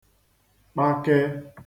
kpake